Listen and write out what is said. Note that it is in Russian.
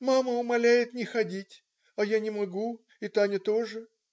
- Мама умоляет не ходить, а я не могу и Таня тоже".